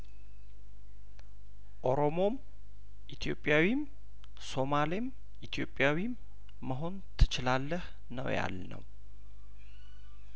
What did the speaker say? ኦሮሞም ኢትዮጵያዊም ሶማሌም ኢትዮጵያዊም መሆን ትችላለህ ነው ያልነው